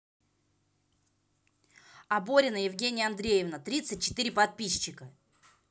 оборина евгения андреевна тридцать четыре подписчика